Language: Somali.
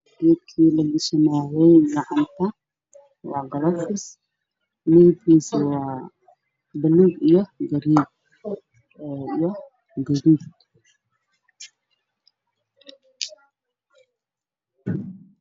Waa galoofiska gacanta la gashay midabkiis yahay buluug oo saaran miisa cadaan